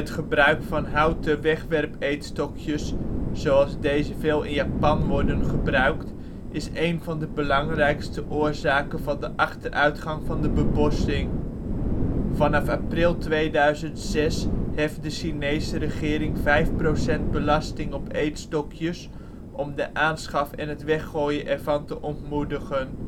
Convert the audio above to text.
gebruik van houten wegwerp-eetstokjes, zoals deze veel in Japan worden gebruikt, is een van de belangrijkste oorzaken van de achteruitgang van de bebossing. Vanaf april 2006 heft de Chinese regering 5 procent belasting op eetstokjes om de aanschaf en het weggooien ervan te ontmoedigen